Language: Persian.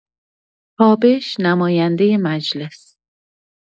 تابش نماینده مجلس